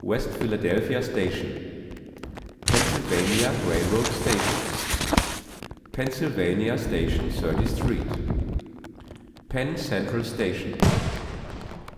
West Philadelphia Station Pennsylvania Railroad Station Pennsylvania Station 30th Street Penn Central Station